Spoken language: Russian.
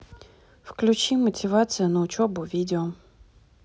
включи мотивация на учебу видео